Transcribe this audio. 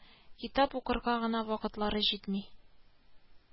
Китап укырга гына вакытлары җитми